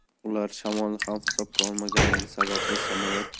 ular shamolni ham hisobga olmaganligi sababli samolyot